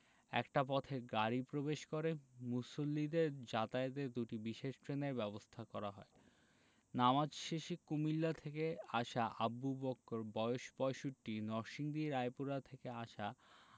একটা পথে গাড়ি প্রবেশ করে মুসল্লিদের যাতায়াতে দুটি বিশেষ ট্রেনের ব্যবস্থা করা হয় নামাজ শেষে কুমিল্লা থেকে আসা আবু বক্কর বয়স ৬৫ নরসিংদী রায়পুরা থেকে আসা